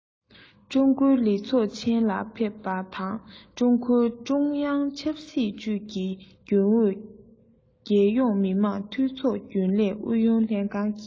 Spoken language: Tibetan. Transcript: ཀྲང ཀའོ ལི ཚོགས ཆེན ལ ཕེབས པ དང ཀྲུང གུང ཀྲུང དབྱང ཆབ སྲིད ཅུས ཀྱི རྒྱུན ཨུ རྒྱལ ཡོངས མི དམངས འཐུས ཚོགས རྒྱུན ལས ཨུ ཡོན ལྷན ཁང གི